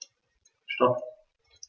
Stop.